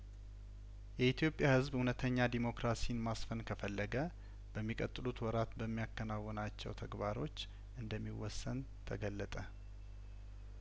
የኢትዮጵያ ህዝብ እውነተኛ ዴሞክራሲን ማስፈን ከፈለገ በሚቀጥሉት ወራት በሚያከናው ናቸው ተግባሮች እንደሚወሰን ተገለጠ